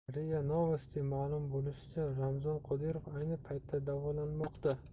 ria novosti ma'lum bo'lishicha ramzan qodirov ayni paytda davolanmoqda